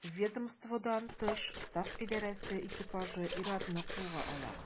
Ведомстводан тыш сак идарәсе экипажы ир-атны кулга ала.